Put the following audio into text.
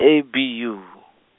A B U.